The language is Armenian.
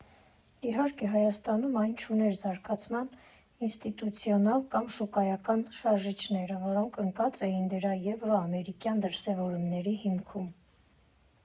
Իհարկե, Հայաստանում այն չուներ զարգացման ինստիտուցիոնալ կամ շուկայական շարժիչները, որոնք ընկած էին դրա եվրո֊ամերիկյան դրսևորումների հիմքում։